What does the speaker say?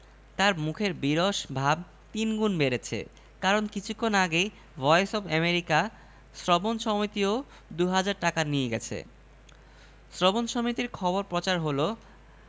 কুমীর মার্কা পাওয়ায় আমাদের খুবই সুবিধা হয়েছে যাকে বলে শাপে বর সিদ্দিক সাহেব মরা মরা গলায় বললেন কেন নতুন ধরনের ক্যাম্পেইন করব ভোট দিবেন কিসে